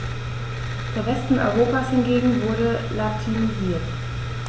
Der Westen Europas hingegen wurde latinisiert.